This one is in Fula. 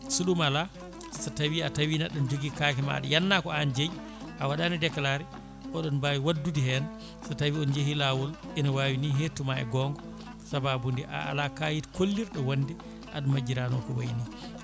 so ɗum ala so tawi a tawi neɗɗo ne joogui kaake maɗa ava yanana ko an jeeyi a waɗano déclaré oɗon mbawi waddude hen so tawi on jeehi lawol ina wawi ni hettuma e gonga sababude a ala kayita kollirɗo wonde aɗa majjirano ko waayi ni